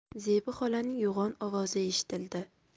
zebi xolaning yo'g'on ovozi eshitildi